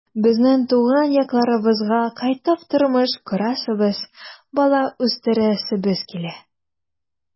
Безнең туган якларыбызга кайтып тормыш корасыбыз, бала үстерәсебез килә.